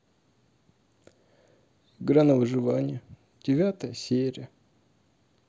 игра на выживание девятая серия